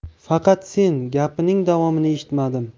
faqat sen gapining davomini eshitmadim